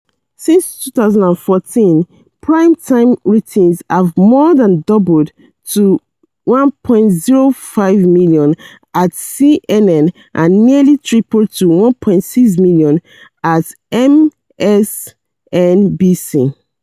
Since 2014, prime-time ratings have more than doubled to 1.05 million at CNN and nearly tripled to 1.6 million at MSNBC.